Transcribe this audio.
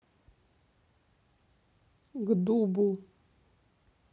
к дубу